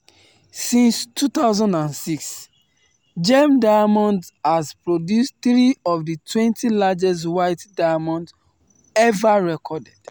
Since 2006, Gem Diamonds has produced three of the 20 largest white diamonds ever recorded.